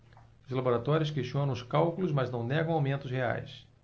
os laboratórios questionam os cálculos mas não negam aumentos reais